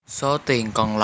số tiền còn